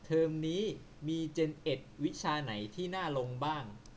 เทอมนี้มีเจ็นเอ็ดวิชาไหนที่น่าลงบ้าง